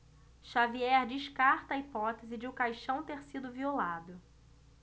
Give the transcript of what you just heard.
xavier descarta a hipótese de o caixão ter sido violado